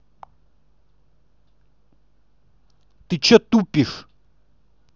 ты че тупишь